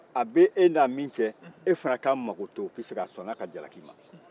a b'e n'a min cɛ e fana k'a makoto sabula a sɔnna a ka jalaki ma